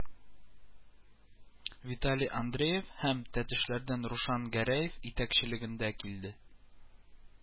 Виталий Андреев һәм Тәтешләрдән Рушан Гәрәев итәкчелегендә килде